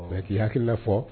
Mɛ k'i hakilikiina fɔ